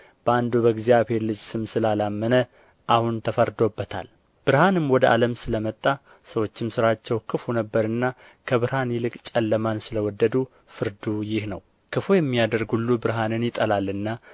በአንዱ በእግዚአብሔር ልጅ ስም ስላላመነ አሁን ተፈርዶበታል ብርሃንም ወደ ዓለም ስለ መጣ ሰዎችም ሥራቸው ክፉ ነበርና ከብርሃን ይልቅ ጨለማን ስለ ወደዱ ፍርዱ ይህ ነው ክፉ የሚያደርግ ሁሉ ብርሃንን ይጠላልና